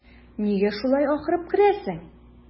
Нигә шулай акырып керәсең?